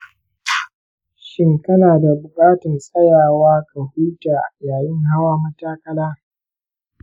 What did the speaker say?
shin kana da bukatan tsayawa ki huta yayin hawa matakala?